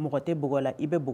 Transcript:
Mɔgɔ tɛ bug la i bɛ